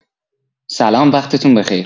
سلام وقتتون بخیر.